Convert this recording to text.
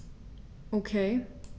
Okay.